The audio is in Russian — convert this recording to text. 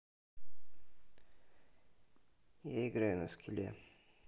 я играю на скилле